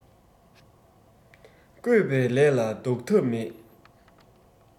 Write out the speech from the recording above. བསྐོས པའི ལས ལ ཟློག ཐབས མེད